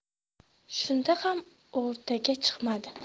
shunda ham o'rtaga chiqmadi